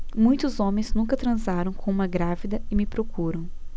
muitos homens nunca transaram com uma grávida e me procuram